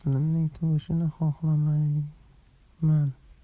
xotinimning tug'ishini xohlamayman